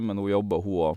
Men hun jobber hun óg.